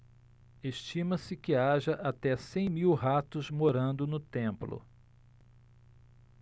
estima-se que haja até cem mil ratos morando no templo